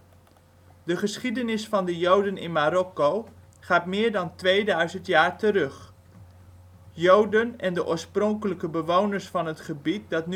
De geschiedenis van de Joden in Marokko gaat meer dan 2.000 jaar terug. De Joden en de oorspronkelijke bewoners van het gebied dat